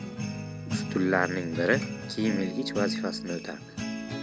ustullarning biri kiyim ilgich vazifasini o'tardi